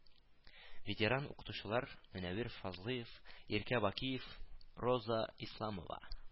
Ветеран-укытучылар Мөнәвир Фазлыев, Иркә Бакиева, Роза Исламова